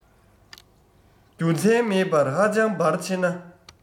རྒྱུ མཚན མེད པར ཧ ཅང འབར ཆེ ན